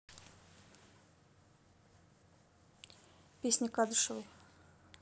песни кадышевой